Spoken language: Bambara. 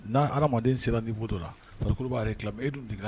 N'a ha adamadamaden sera dibonto la arabaa ye e dun dege